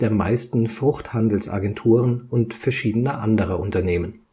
meisten Fruchthandelsagenturen und verschiedener anderer Unternehmen